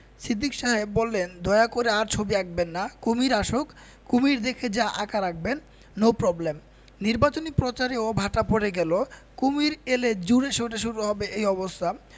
সিদ্দিক সাহেব বললেন দয়া করে আর ছবি আঁকবেন না কুশীর আসুক কুমীর দেখে যা আঁকার আঁকবেন নো প্রবলেম নিবাচনী প্রচারেও ভাটা পড়ে গেল কুমীর এলে জোরে সোরে শুরু হবে এই অবস্থা